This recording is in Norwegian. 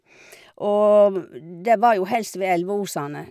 Og det var jo helst ved elveosene.